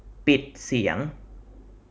ปิดเสียง